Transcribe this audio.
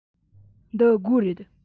འདི སྒོ རེད